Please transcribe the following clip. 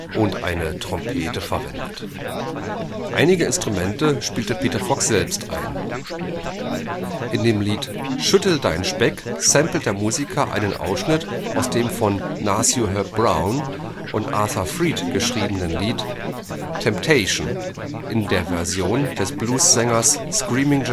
und Hörner verwendet. Einige Instrumente spielte Peter Fox selbst ein. In dem Lied Schüttel deinen Speck samplet der Musiker einen Ausschnitt aus dem von Nacio Herb Brown und Arthur Freed geschriebenen Lied Temptation in der Version des Blues-Sängers Screamin